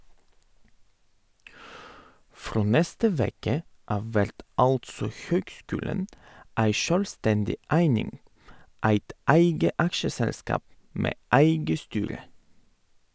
Frå neste veke av vert altså høgskulen ei sjølvstendig eining, eit eige aksjeselskap med eige styre.